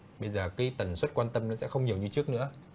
bây giờ cái tần suất quan tâm nó sẽ không nhiều như trước nữa